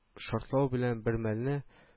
Шартлау белән бермәлне